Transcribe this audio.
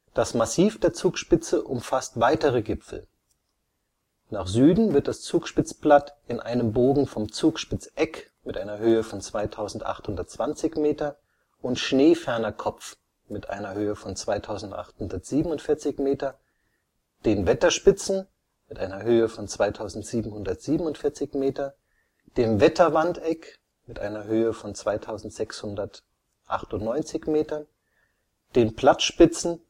Das Massiv der Zugspitze umfasst weitere Gipfel. Nach Süden wird das Zugspitzplatt in einem Bogen vom Zugspitzeck (2820 m) und Schneefernerkopf (2874 m), den Wetterspitzen (2747 m), dem Wetterwandeck (2698 m), den Plattspitzen